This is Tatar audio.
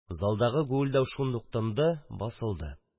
Залда гүелдәү шундук басылды.